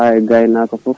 ha e gaynako foof